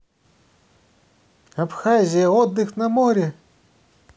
абхазия отдых на море